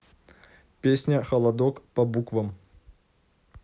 песня холодок по буквам